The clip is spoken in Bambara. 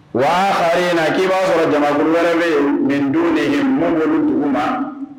Wa in k'i b'a sɔrɔ jamakuru wɛrɛ bɛ yen nin don de ye mɔgololu dugu ma